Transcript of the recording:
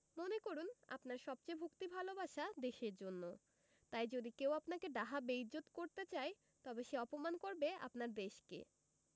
মনে করুন আপনার সবচেয়ে ভক্তি ভালবাসা দেশের জন্য তাই যদি কেউ আপনাকে ডাহা বেইজ্জত্ করতে চায় তবে সে অপমান করবে আপনার দেশকে